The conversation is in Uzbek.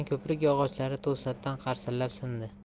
ko'prik yog'ochlari to'satdan qarsillab sindi